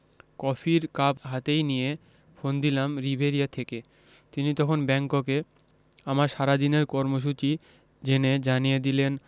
কফির কাপ হাতেই নিয়ে ফোন দিলাম রিভেরিয়া থেকে তিনি তখন ব্যাংককে আমার সারাদিনের কর্মসূচি জেনে জানিয়ে দিলেন